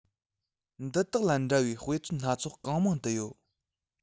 འདི དག ལ འདྲ བའི དཔེ མཚོན སྣ ཚོགས གང མང དུ ཡོད